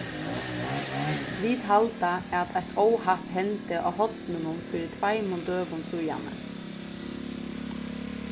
vit halda at eitt óhapp hendi á horninum fyri tveimum døgum síðani